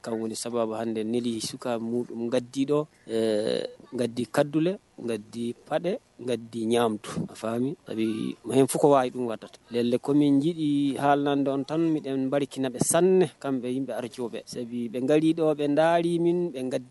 Ka w sababud su ka n di dɔ nka di kadɛlɛ nka di pan dɛ n nka di ɲ a fa a bɛ ma foko ka lɛkomi jiri halandɔ tanrikina bɛ sanuni kan bɛ cɛw fɛ sabu bɛn kali dɔ bɛ da